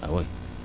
ah oui